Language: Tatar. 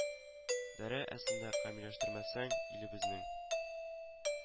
Дәрә әсендә камилләштермәсәң, илебезнең